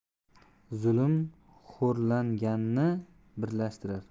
zulm xo'rlanganni birlashtirar